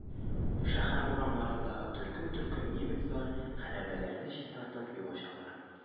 Шәһәр урамнарында төркем-төркем немецлар хәрабәләрне чистартып, юл ачалар.